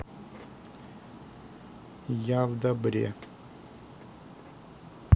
я в добре